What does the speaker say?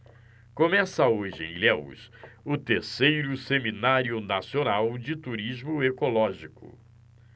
começa hoje em ilhéus o terceiro seminário nacional de turismo ecológico